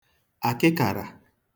àkịkàrà